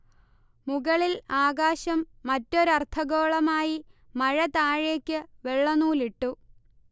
മുകളിൽ ആകാശം, മറ്റൊരർദ്ധഗോളമായി മഴ താഴേക്ക് വെള്ളനൂലിട്ടു